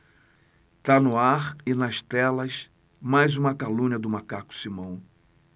tá no ar e nas telas mais uma calúnia do macaco simão